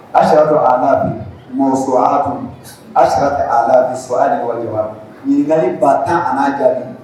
ɲininkali ba tan a n'a jaabi